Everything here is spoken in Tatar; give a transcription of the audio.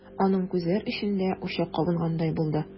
Аның күзләр эчендә учак кабынгандай булды.